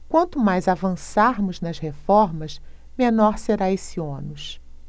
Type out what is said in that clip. quanto mais avançarmos nas reformas menor será esse ônus